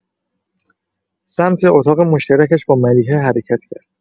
سمت اتاق مشترکش با ملیحه حرکت کرد.